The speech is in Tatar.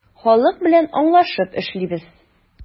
Халык белән аңлашып эшлибез.